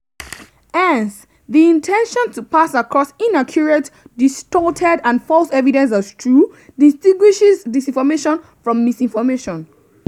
Hence, the intention to pass across inaccurate, distorted and false evidence as true, distinguishes dis-information from misinformation.